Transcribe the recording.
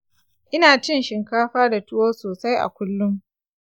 ina cin shinkafa da tuwo sosai a kullum.